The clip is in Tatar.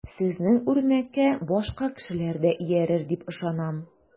Сезнең үрнәккә башка кешеләр дә иярер дип ышанам.